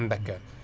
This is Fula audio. d'accord